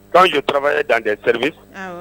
Quand je travaillais dans les services awɔ